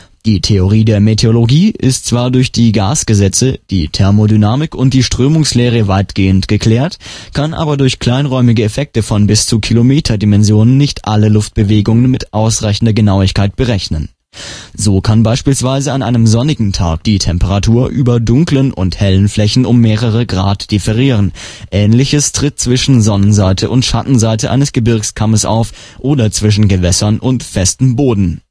Die Theorie der Meteorologie ist zwar durch die Gasgesetze, die Thermodynamik und die Strömungslehre weitgehend geklärt, kann aber durch kleinräumige Effekte von bis zu Kilometer-Dimensionen nicht alle Luftbewegungen mit ausreichender Genauigkeit berechnen. So kann beispielsweise an einem sonnigen Tag die Temperatur über dunklen und hellen Flächen um mehrere Grad differieren, ähnliches tritt zwischen Sonnenseite und Schattenseite eines Gebirgskammes auf oder zwischen Gewässern und festem Boden